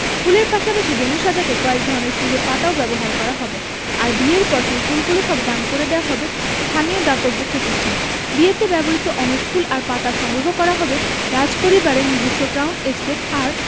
ফুলের পাশাপাশি ভেন্যু সাজাতে কয়েক ধরনের সুন্দর পাতাও ব্যবহার করা হবে আর বিয়ের পর সেই ফুলগুলো সব দান করে দেওয়া হবে স্থানীয় দাতব্য প্রতিষ্ঠানে বিয়েতে ব্যবহৃত অনেক ফুল আর পাতা সংগ্রহ করা হবে রাজপরিবারের নিজস্ব ক্রাউন এস্টেট আর